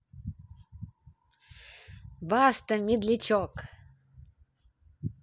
баста медлячок